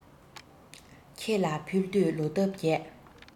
ཁྱེད ལ ཕུལ དུས ལོ འདབ རྒྱས